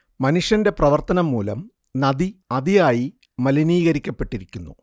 മനുഷ്യന്റെ പ്രവർത്തനം മൂലം നദി അതിയായി മലനീകരിക്കപ്പെട്ടിരിക്കുന്നു